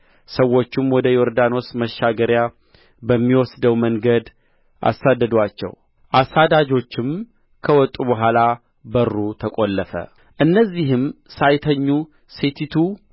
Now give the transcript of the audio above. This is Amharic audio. ሰዎቹም ወደ ዮርዳኖስ መሻገሪያ በሚወስደው መንገድ አሳደዱአቸው እሳዳጆችም ከወጡ በኋላ በሩ ተቈለፈ እነዚህም ሳይተኙ ሴቲቱ